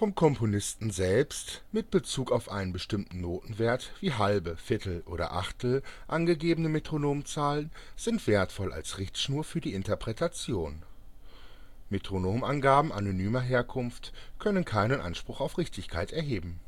Komponisten selbst mit Bezug auf einen bestimmten Notenwert wie „ Halbe “,„ Viertel “oder „ Achtel “angegebene Metronomzahlen sind wertvoll als Richtschnur für die Interpretation. Metronomangaben anonymer Herkunft können keinen Anspruch auf Richtigkeit erheben